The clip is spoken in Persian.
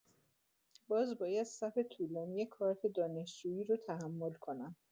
باز باید صف طولانی کارت دانشجویی رو تحمل کنم